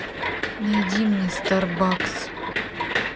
найди мне старбакс